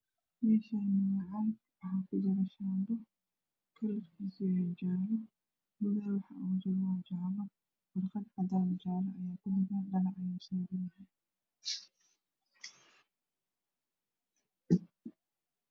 Meeshani waxaa yaalo saxan midabkiisu cadaan yahay waxaa saaran caag caagani waa caag